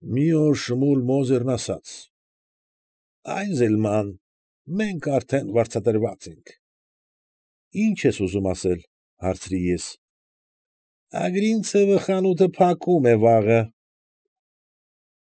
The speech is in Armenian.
Մի օր Շմուլ Մոզերն ասաց. ֊ Այզելման, մենք արդեն վարձատրված ենք։ ֊ Ի՞նչ ես ուզում ասել,֊ հարցրի ես։ ֊ Ագրինցևը խանութը փակում է վաղը։